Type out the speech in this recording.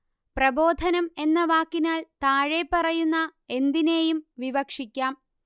പ്രബോധനം എന്ന വാക്കിനാൽ താഴെപ്പറയുന്ന എന്തിനേയും വിവക്ഷിക്കാം